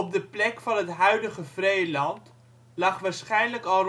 de plek van het huidige Vreeland lag waarschijnlijk al